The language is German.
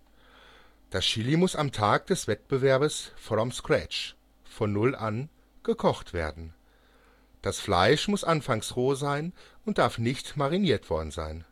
Das Chili muss am Tag des Wettbewerbs from scratch (von Null an) gekocht werden. Das Fleisch muss anfangs roh sein und darf nicht mariniert worden sein